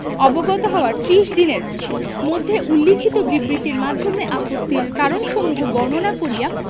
অবগত হওয়ার ত্রিশ দিনের মধ্যে উল্লেখিত বিবৃতির মাধ্যমে আপত্তির কারণসমূহ বর্ণনা করিয়া